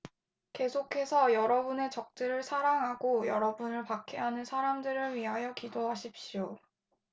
계속해서 여러분의 적들을 사랑하고 여러분을 박해하는 사람들을 위하여 기도하십시오